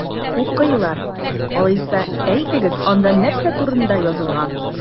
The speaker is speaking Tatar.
Укыйлар! Алайса, әйтегез, анда нәрсә турында язылган?